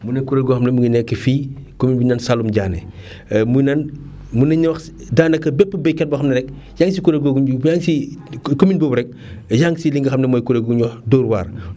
mu nekk kuréel goo xam ne mu ngi nekk fii commune bu ñu naan Saalum Diané mu ngi naan mun nañu wax daanaka bépp baykat boo xam ne rek yaa ngi si kuréel googu yaa ngi ci commune boobu rek yaa ngi si li nga xam ne mooy kuréel gu ñuy wax Dóor waar